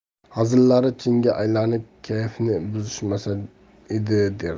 hazillari chinga aylanib kayfni buzishmasa edi derdi